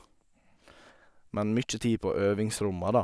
Men mye tid på øvingsromma, da.